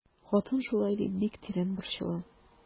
Хатын шулай дип бик тирән борчыла.